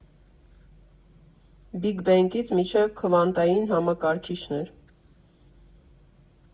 Բիգ բենգից մինչև քվանտային համակարգիչներ.